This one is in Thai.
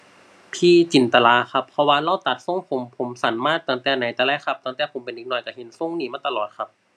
พี่จินตหราครับ เพราะว่าเลาตัดทรงผมผมสั้นมาตั้งแต่ไหนแต่ไรครับ ตั้งแต่ผมเป็นเด็กน้อยก็เห็นทรงนี้มาตลอดครับ